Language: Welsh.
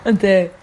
Yndi.